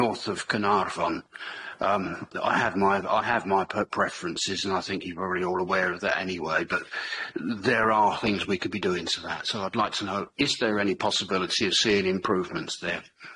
North of Caernarfon yym I have my I have my per- preferences and I think you're probably all aware of that anyway, but there are things we could be doing to that. So I'd like to know is there any possibility of seeing improvements there?